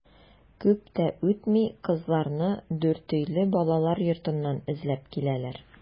Күп тә үтми кызларны Дүртөйле балалар йортыннан эзләп киләләр.